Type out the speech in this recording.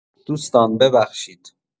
دوستان ببخشید